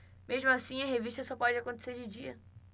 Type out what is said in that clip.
mesmo assim a revista só pode acontecer de dia